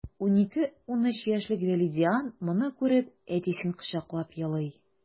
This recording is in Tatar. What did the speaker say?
12-13 яшьлек вәлидиан моны күреп, әтисен кочаклап елый...